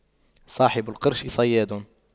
صاحب القرش صياد